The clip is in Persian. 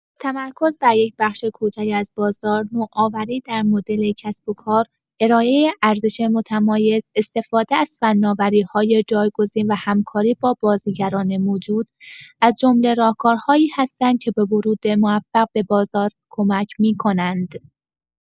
تمرکز بر یک بخش کوچک از بازار، نوآوری در مدل کسب‌وکار، ارائه ارزش متمایز، استفاده از فناوری‌های جایگزین و همکاری با بازیگران موجود، از جمله راهکارهایی هستند که به ورود موفق به بازار کمک می‌کنند.